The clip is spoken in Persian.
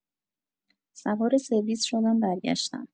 سوار سرویس شدم برگشتم.